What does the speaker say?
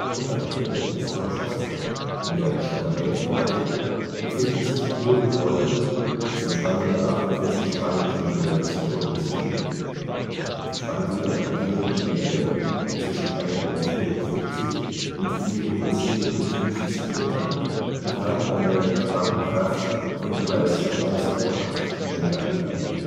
Unterhalb der Rippen des Turmschafts in der Fundamentplatte befinden sich Hohlräume, die zum Spannen der 48 Spannglieder des Turmes dienten. Die Spannglieder variieren in ihrer Länge zwischen 144 und 457 Metern und haben eine Spannkraft von jeweils 1,8 Meganewton